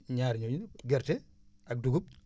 ñaar ñooñu gerte dugub ak ceeb